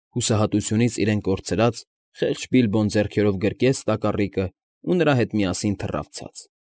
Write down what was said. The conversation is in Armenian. Հուսահատությունից իրեն կորցրած՝ խեղճ Բիլբոն ձեռքերով գրկեց տակառիկն ու նրա հետ միասին թռավ ցած։